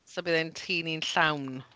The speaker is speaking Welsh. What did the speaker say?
So bydd ein tŷ ni'n llawn.